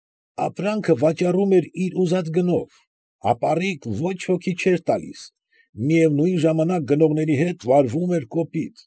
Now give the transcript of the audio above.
Ապրանքը վաճառում էր իր ուզած գնով, ապառիկ ոչ ոքի չէր տալիս, միևնույն ժամանակ գնողների հետ վարվում էր կոպիտ։